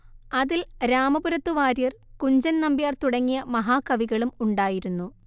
അതിൽ രാമപുരത്തു വാര്യർ കുഞ്ചൻ നമ്പ്യാർ തുടങ്ങിയ മഹാകവികളും ഉണ്ടായിരുന്നു